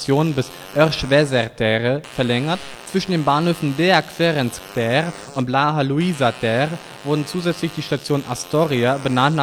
bis Örs vezér tere verlängert. Zwischen den Bahnhöfen Deák Ferenc tér und Blaha Lujza tér wurde zusätzlich die Station Astoria, benannt